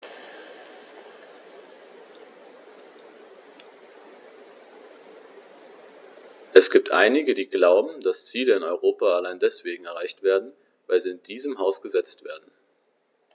Es gibt einige, die glauben, dass Ziele in Europa allein deswegen erreicht werden, weil sie in diesem Haus gesetzt werden.